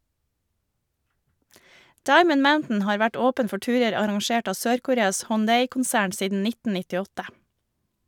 Diamond Mountain har vært åpen for turer arrangert av Sør-Koreas Hyundai-konsern siden 1998.